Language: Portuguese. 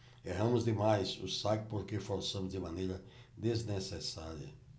erramos demais o saque porque forçamos de maneira desnecessária